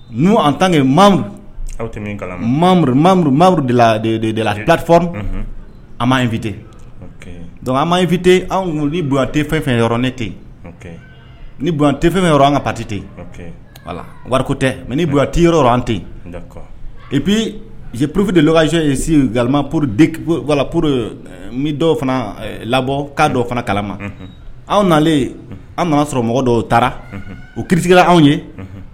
N' an tanke mamudu mamudu lafrfitfite anw ni byantɛ fɛn fɛn ne ten nitɛ fɛn an ka pati ten wari ko tɛ mɛti yɔrɔ an ten ipi porofe de lkaz ye sin gaorowaporo mi dɔw fana labɔ k'a dɔw fana kalama anw nalen an nana sɔrɔ mɔgɔ dɔw taara u kira anw ye